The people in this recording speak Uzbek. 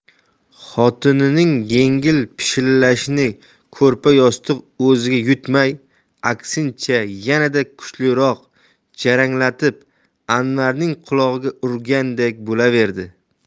xotinining yengil pishillashini ko'rpa yostiq o'ziga yutmay aksincha yanada kuchliroq jaranglatib anvarning qulog'iga urganday bo'laverdi